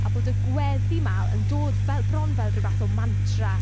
A bod y gweddi 'ma yn dod fe- bron fel rhyw fath o mantra.